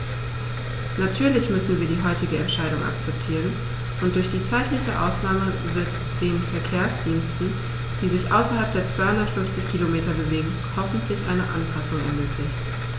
Natürlich müssen wir die heutige Entscheidung akzeptieren, und durch die zeitliche Ausnahme wird den Verkehrsdiensten, die sich außerhalb der 250 Kilometer bewegen, hoffentlich eine Anpassung ermöglicht.